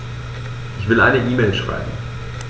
Ich will eine E-Mail schreiben.